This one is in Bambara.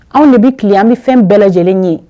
Anw de bɛ tile an ni fɛn bɛɛ lajɛlen ye